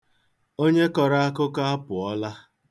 Onye kọro akụkọ apụọla.